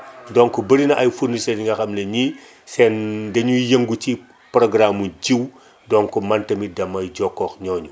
donc bëri na ay fournisseurs yi nga xam ne nii seen dañuy yëngu ci programme mu jiwu donc man tamit damay jokkoo ak ñooñu